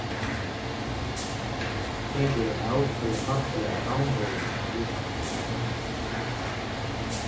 tey gera av hvørjum falli navnorðini skulu standa í